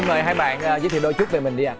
xin mời hai bạn giới thiệu đôi chút về mình đi